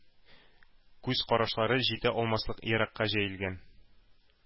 Күз карашлары җитә алмаслык еракка җәелгән.